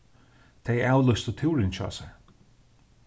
tey avlýstu túrin hjá sær